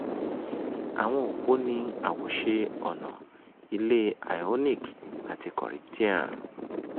Àwọn òpó ní àwòṣe ọnà ilée ionic àti Corinthian.